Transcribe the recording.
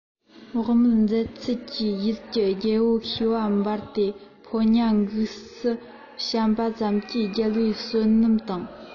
བག མེད མཛད ཚུལ གྱིས ཡུལ གྱི རྒྱལ པོ ཤེས པ འབར ཏེ ཕོ ཉ བ འགུགས སུ བཤམས པ ཙམ གྱིས རྒྱལ པོའི བསོད ནམས དང